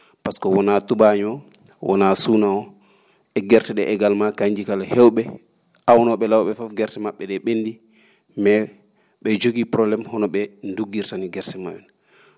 pasque wonaa tubaañoo wonaa suuna oo e gerte ?ee également kañji kala heew?e aawnoo?e law ?ee fof gerte ma??e ?ee ?enndii mais ?en njogii probléme honoo ?e nduggirta nin gerte ma??e ?e